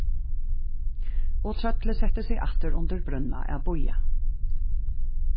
og trøllið setti seg aftur undir brúnna at bíða